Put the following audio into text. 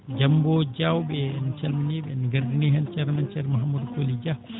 Diambo Diawɓe en calminii ɓe en ngardini heen ceerno men ceerno Mouhamadou Colly Dia